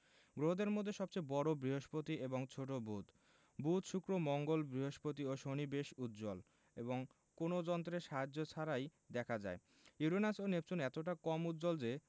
গ্রহদের মধ্যে সবচেয়ে বড় বৃহস্পতি এবং ছোট বুধ বুধ শুক্র মঙ্গল বৃহস্পতি ও শনি বেশ উজ্জ্বল এবং কোনো যন্ত্রের সাহায্য ছাড়াই দেখা যায় ইউরেনাস ও নেপচুন এতটা কম উজ্জ্বল যে